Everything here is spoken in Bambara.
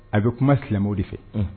A bɛ kuma silamɛw de fɛ .